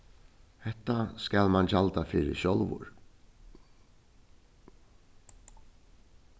hetta skal mann gjalda fyri sjálvur